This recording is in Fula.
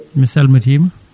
mi salmitima